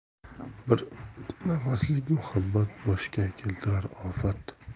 bir nafaslik muhabbat boshga keltirar ofat